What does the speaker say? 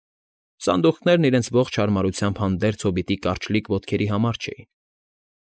Սանդուղքներն իրենց ողջ հարմարությամբ հանդերձ հոբիտի կարճլիկ ոտքերի համար չէին։